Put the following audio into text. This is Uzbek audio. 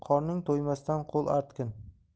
qorning to'ymasdan qo'l artgin